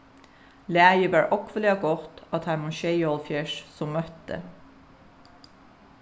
lagið var ógvuliga gott á teimum sjeyoghálvfjerðs sum møttu